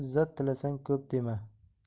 izzat tilasang ko'p dema